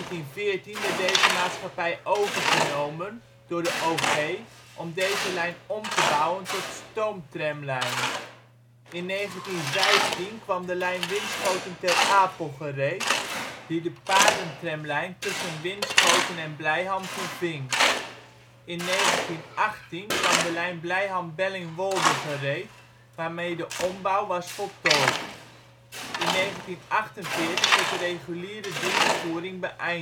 In 1914 werd deze maatschappij overgenomen door de OG om deze lijn om te bouwen tot stoomtramlijn. In 1915 kwam de lijn Winschoten - Ter Apel gereed, die lijn de paardentramlijn tussen Winschoten en Blijham verving. In 1918 kwam de lijn Blijham - Bellingwolde gereed waarmee de ombouw was voltooid. In 1948 werd de reguliere dienstvoering beëindigd